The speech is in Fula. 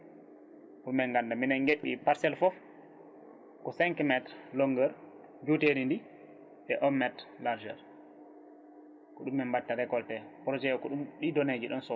pour min ganda minen gueɓɓi parcelle foof ko 5 métres longueur jutedi ndi et 1 métre largeur ko ɗum min mbatta récolté projet o ko ɗum ɗi donné ji ɗon sohli